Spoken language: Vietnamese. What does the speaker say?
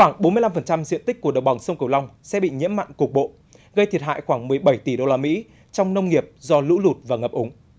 khoảng bốn mươi lăm phần trăm diện tích của đồng bằng sông cửu long sẽ bị nhiễm mặn cục bộ gây thiệt hại khoảng mười bảy tỷ đô la mỹ trong nông nghiệp do lũ lụt và ngập úng